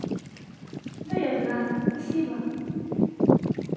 да я знаю спасибо